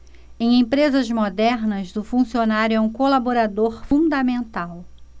em empresas modernas o funcionário é um colaborador fundamental